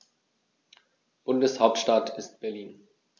Bundeshauptstadt ist Berlin.